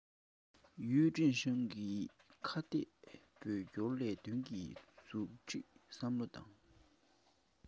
ཡུས ཀྲེང ཧྲེང གིས ཁ གཏད བོད སྐྱོར ལས དོན གྱི མཛུབ ཁྲིད བསམ བློ དང